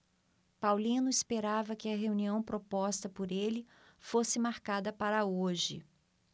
paulino esperava que a reunião proposta por ele fosse marcada para hoje